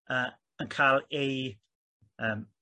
yy yn ca'l eu yym